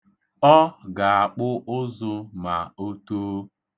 Ọ ga-akpụ ụzụ ma o too.